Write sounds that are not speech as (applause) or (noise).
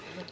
(hesitation) (hesitation)